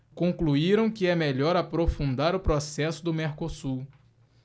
concluíram que é melhor aprofundar o processo do mercosul